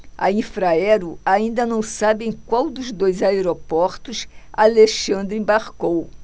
a infraero ainda não sabe em qual dos dois aeroportos alexandre embarcou